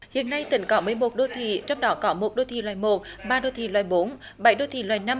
hiện nay tỉnh có mười một đô thị trong đó có một đô thị loại một ba đô thị loại bốn bảy đô thị loại năm